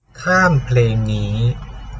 ข้ามเพลงนี้